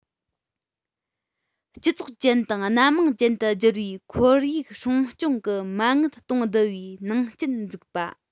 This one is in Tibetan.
སྤྱི ཚོགས ཅན དང སྣ མང ཅན དུ འགྱུར བའི ཁོར ཡུག སྲུང སྐྱོང གི མ དངུལ གཏོང བསྡུའི ནང རྐྱེན འཛུགས པ